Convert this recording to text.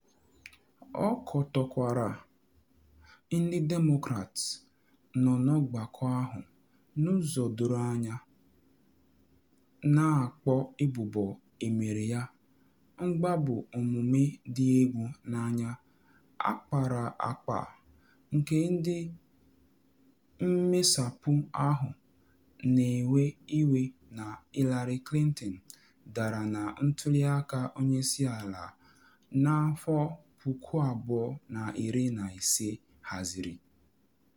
Ọ kọtọkwara ndị Demokrat nọ n’ọgbakọ ahụ n’ụzọ doro anya, na akpọ ebubo emere ya “mgbagbu omume dị egwu n’anya, akpara akpa” nke ndị mmesapụ ahụ na ewe iwe na Hillary Clinton dara na ntuli aka onye isi ala 2016 haziri.